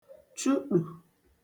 chụṭù